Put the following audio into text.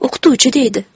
o'qituvchi deydi